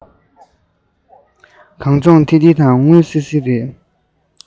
གང སར ལྗང ཐིང ཐིང དང སྔོ སིལ སིལ རེད